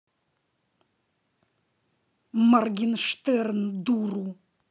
моргенштерн дуру